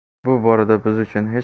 bu borada biz uchun